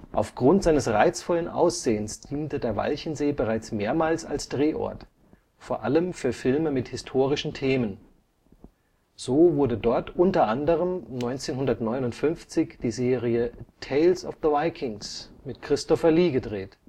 Aufgrund seines reizvollen Aussehens diente der Walchensee bereits mehrmals als Drehort, vor allem für Filme mit historischen Themen. So wurde dort unter anderem 1959 die Serie Tales of the Vikings mit Christopher Lee gedreht